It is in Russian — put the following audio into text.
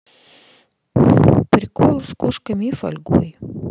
приколы с кошками и фольгой